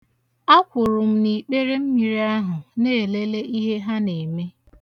Akwụrụ m na ikperemmiri ahụ na-elele ihe ha na-eme.